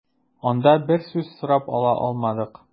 Анда без сүз сорап ала алмадык.